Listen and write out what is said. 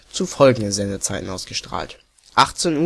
zu folgenden Sendezeiten ausgestrahlt: 18.00